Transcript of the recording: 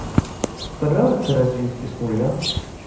понравится развитие с нуля